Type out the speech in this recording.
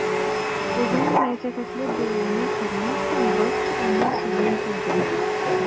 Үзенең нәзакәтле булуына карамастан, Вронский аның сүзен бүлде.